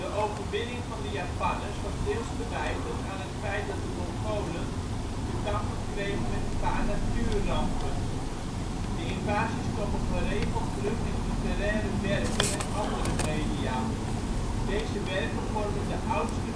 overwinning van de Japanners was deels te wijten aan het feit dat de Mongolen te kampen kregen met een paar natuurrampen. De invasies komen geregeld terug in literaire werken en andere media. Deze werken vormen de oudste